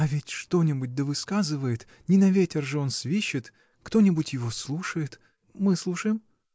— А ведь что-нибудь да высказывает: не на ветер же он свищет! Кто-нибудь его слушает. — Мы — слушаем.